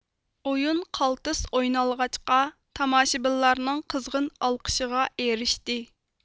ئويۇن قالتىس ئوينالغاچقا تاماشىبىنلارنىڭ قىزغىن ئالقىشىغا ئېرىشتى